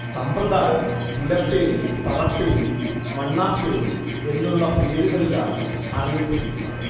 സമ്പ്രദായം പുലപ്പേടി പറപ്പേടി മണ്ണാപ്പേടി എന്നുള്ള പേരുകളിലാണ് അറിയപ്പെട്ടിരുന്നത്